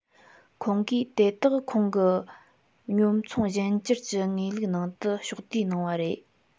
ཁོང གིས དེ དག ཁོང གི སྙོམས མཚུངས གཞན འགྱུར གྱི ངེས ལུགས ནང དུ ཕྱོགས བསྡུས གནང བ རེད